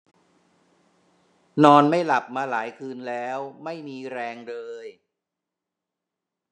นอนไม่หลับมาหลายคืนแล้วไม่มีแรงเลย